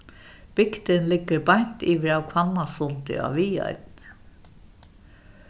bygdin liggur beint yvir av hvannasundi á viðoynni